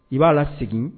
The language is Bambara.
I b'a la segin